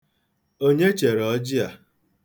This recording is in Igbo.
Onye chere ọjị a?